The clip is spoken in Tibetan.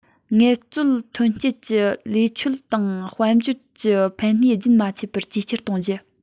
ངལ རྩོལ ཐོན སྐྱེད ཀྱི ལས ཆོད དང དཔལ འབྱོར གྱི ཕན ནུས རྒྱུན མ ཆད པར ཇེ ཆེར བཏང རྒྱུ